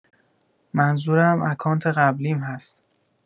منظورم اکانت قبلیم هست.